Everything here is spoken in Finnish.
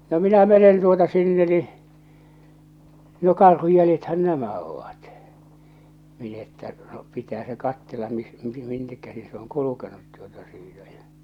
no minä menen tuota sinne niin no karhun jäljethän nämä ovat minä että no pitää se katsella - minne käsi se on kulkenut tuota siitä ja